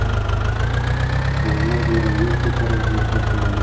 yomg'ir bilan yer ko'karar mehnat bilan el